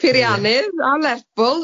Peiriannydd a Lerpwl.